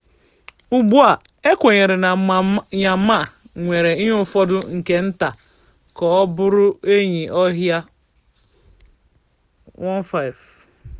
Ugbua, e kwenyere na Myanmar nwere ihe fọdụrụ nke nta ka ọ bụrụ enyi ọhịa 1,500.